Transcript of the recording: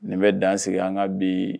Nin bɛ dansigi an ka bi yen